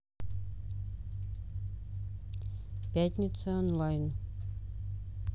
пятница онлайн